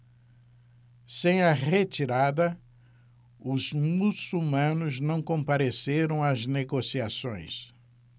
sem a retirada os muçulmanos não compareceram às negociações